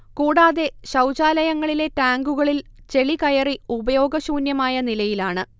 കൂടാതെ ശൗചാലയങ്ങളിലെ ടാങ്കുകളിൽ ചെളികയറി ഉപയോഗശൂന്യമായ നിലയിലാണ്